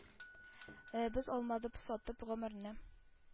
Без алмадык сатып гомерне,